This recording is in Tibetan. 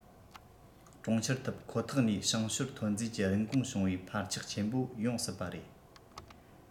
གྲོང ཁྱེར ཐུབ ཁོ ཐག ནས ཞིང ཞོར ཐོན རྫས ཀྱི རིན གོང བྱུང བའི འཕར ཆག ཆེན པོ ཡོང སྲིད པ རེད